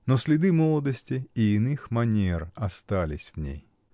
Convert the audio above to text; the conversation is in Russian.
Но следы молодости и иных манер остались в ней.